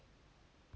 конечно люблю